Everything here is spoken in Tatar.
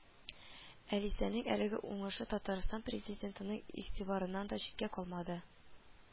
Алисәнең әлеге уңышы Татарстан президентының игътибарыннан да читтә калмады